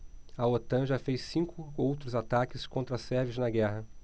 a otan já fez cinco outros ataques contra sérvios na guerra